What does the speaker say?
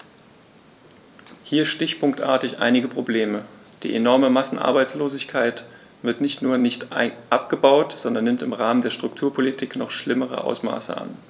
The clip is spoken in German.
Hier stichpunktartig einige Probleme: Die enorme Massenarbeitslosigkeit wird nicht nur nicht abgebaut, sondern nimmt im Rahmen der Strukturpolitik noch schlimmere Ausmaße an.